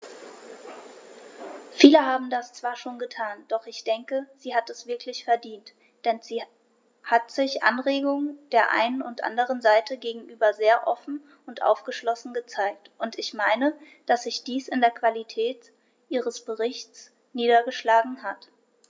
Viele haben das zwar schon getan, doch ich denke, sie hat es wirklich verdient, denn sie hat sich Anregungen der einen und anderen Seite gegenüber sehr offen und aufgeschlossen gezeigt, und ich meine, dass sich dies in der Qualität ihres Berichts niedergeschlagen hat.